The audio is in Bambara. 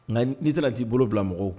Nka n'i tɛna t'i bolo bila mɔgɔw